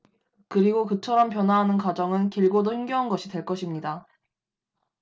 그리고 그처럼 변화하는 과정은 길고도 힘겨운 것이 될 것입니다